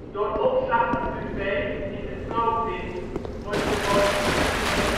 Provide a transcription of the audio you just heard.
Door opslag van UV in de coating worden de moleculen die met